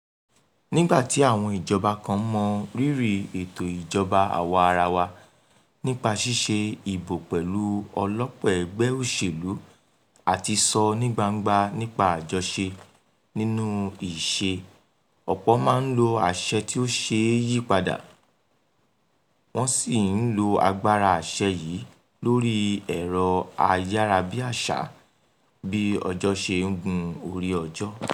Nígbà tí àwọn ìjọba kan mọ rírì ètò ìjọba àwa-arawa nípasẹ̀ ṣíṣe ìbò pẹ̀lú ọlọ́pọ̀-ẹgbẹ́ òṣèlú àti sọ nígbangba nípa àjọṣe, nínú ìṣe, ọ̀pọ̀ máa ń lo àṣẹ tí ò ṣe é yí padà — wọ́n sì ń lo agbára àṣẹ yìí lórí ẹ̀rọ-ayárabíàṣá bí ọjọ́ ṣe ń gun orí ọjọ́.